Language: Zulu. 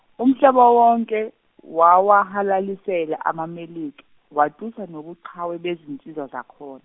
umhlaba wonke, wawahalalisela amaMelika, watusa nobuqhawe bezinsizwa zakhona.